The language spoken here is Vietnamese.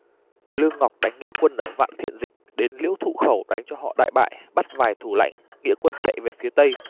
lương ngọc đánh nghĩa quân ở vạn thiện dịch đến liễu thụ khẩu đánh cho họ đại bại bắt vài thủ lãnh nghĩa quân chạy về phía tây